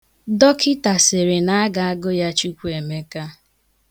Dọkịta sịrị na a ga-agụ ya Chukwuemeka.